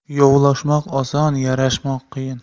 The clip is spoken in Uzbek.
yovlashmoq oson yarashmoq qiyin